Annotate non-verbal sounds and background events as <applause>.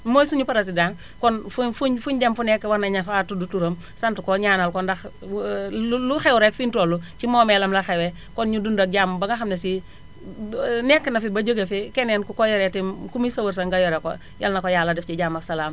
mooy suñu président <inhales> kon fuñ fuñ fuñ dem fu nekk war nañu faa tudd turam <inhales> sant ko ñaanal ko ndax <hesitation> lu xew rekk fi ñu toll ci moomeelam la xewee kon ñu dund ak jàmm ba nga xam ne sii <hesitation> nekk na fi ba jóge fi keneen ku ko yore itam ku muy sa wërsëg nga yore ko Yàlla na ko Yàlla def ci jàmm ak salaam